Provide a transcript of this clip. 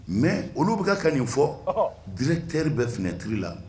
Mais olu bɛ ka ka ni fɔ, ɔhɔɔ directeur bɛ fenêtre la.